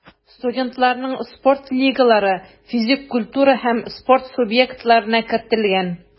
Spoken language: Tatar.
Студентларның спорт лигалары физик культура һәм спорт субъектларына кертелгән.